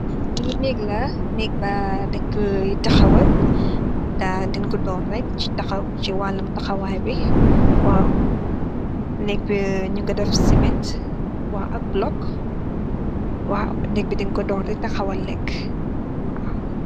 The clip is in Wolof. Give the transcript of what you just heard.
yi neg la nek ba dinkoy taxawal da din ko door rekk c taxaw ci wàllam taxawaay bi waaw nekk bi ñu nga daf siment waa ak blokg waa nek bi din ko door di taxawal lekka.